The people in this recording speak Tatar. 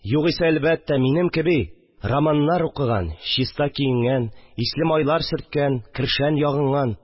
Югыйсә, әлбәттә, минем кеби, романнар укыган, чиста киенгән, исле майлар сөрткән, кершән ягынган